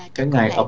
cái ngày họ